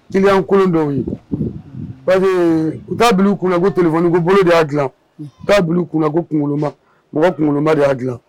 Client kolon dɔw ye parceque u ta bila u kun na ko téléphone ko bolo de ya gilan u ta bila u kun na ko mɔgɔ kunkoloman de ya gilan.